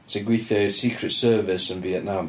Sy'n gweithio i'r Secret Service yn Fietnam.